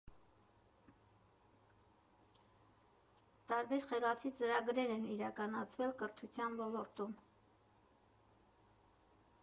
Տարբեր «խելացի» ծրագրեր են իրականացվել կրթության ոլորտում։